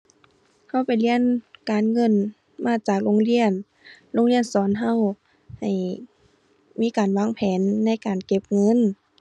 เราไปเรียนการเงินมาจากโรงเรียน โรงเรียนสอนเราให้มีการวางแผนในการเก็บเงิน